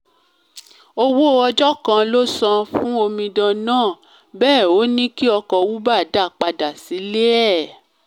Owó ọjọ́ kan ló san an fún omidan náà, Bẹ́ẹ̀ ‘ó ní kí ọkọ̀ Uber da pádà sílé ẹ̀.